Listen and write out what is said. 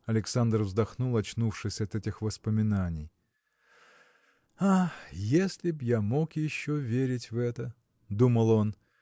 Александр вздохнул, очнувшись от этих воспоминаний. Ах! если б я мог еще верить в это! – думал он.